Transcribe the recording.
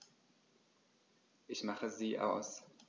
Ich mache sie aus.